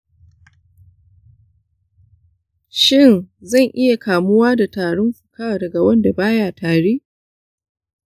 shin zan iya kamuwa da tarin fuka daga wanda ba ya tari?